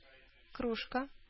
Кружка